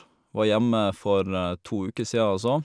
Var hjemme for to uker sia også.